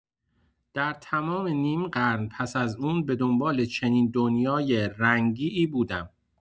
در تمام نیم‌قرن پس از اون به دنبال چنین دنیای رنگی‌ای بودم.